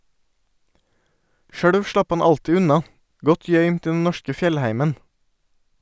Sjølv slapp han alltid unna , godt gøymd i den norske fjellheimen.